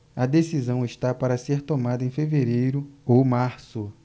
a decisão está para ser tomada em fevereiro ou março